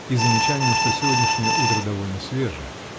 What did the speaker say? -- и замечанием, что сегодняшнее утро довольно свежее.